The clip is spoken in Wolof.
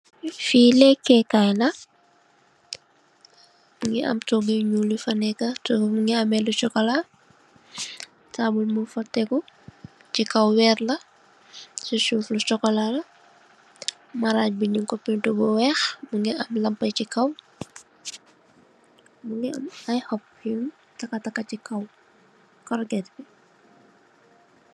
Fee leke kaye la muge ameh toogu yu nuul yufa neka toogu be muge ameh lu sukola taabul mugfa tegu che kaw wer la se suuf lu sukola la marage be nugku painter bu weex muge am lampa ye che kaw muge am aye xoop taka taka che kaw corget.